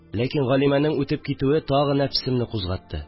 Ләкин Галимәнең үтеп китүе тагы нәфесемне кузгатты